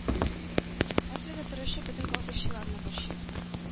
Хәзерге торышы бөтен колхозчыларны борчый.